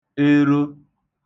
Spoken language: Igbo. ero